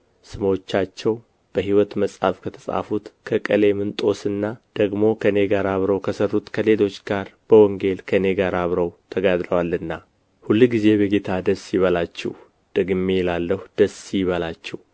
ስሞቻቸው በሕይወት መጽሐፍ ከተጻፉት ከቀሌምንጦስና ደግሞ ከእኔ ጋር አብረው ከሠሩት ከሌሎቹ ጋር በወንጌል ከእኔ ጋር አብረው ተጋድለዋልና ሁልጊዜ በጌታ ደስ ይበላችሁ ደግሜ እላለሁ ደስ ይበላችሁ